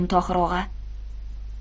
tohir og'a